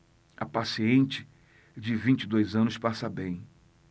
a paciente de vinte e dois anos passa bem